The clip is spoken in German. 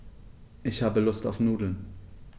Ich habe Lust auf Nudeln.